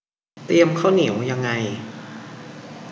เตรียมข้าวเหนียวยังไง